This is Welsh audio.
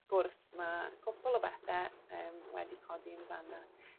sgwrs ma' cwpwl o bethe yym wedi codi yn fan 'na.